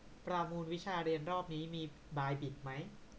ประมูลวิชาเรียนรอบนี้มีบลายบิดไหม